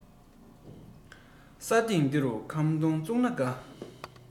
ས སྟེང འདི རུ ཁམ སྡོང བཙུགས པ དགའ